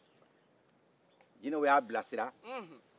jinɛw y'a bilasira